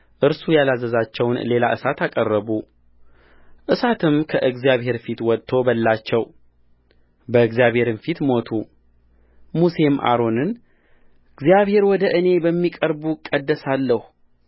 እርሱ ያላዘዛቸውን ሌላ እሳት አቀረቡእሳትም ከእግዚአብሔር ፊት ወጥቶ በላቸው በእግዚአብሔርም ፊት ሞቱሙሴም አሮንን እግዚአብሔር ወደ እኔ በሚቀርቡ እቀድሳለሁ